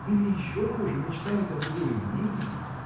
или еще хуже – мечтает об ее имении.